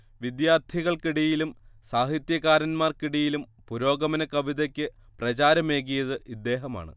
വിദ്യാർഥികൾക്കിടയിലും സാഹിത്യകാരന്മാർക്കിടയിലും പുരോഗമന കവിതയ്ക്ക് പ്രചാരമേകിയത് ഇദ്ദേഹമാണ്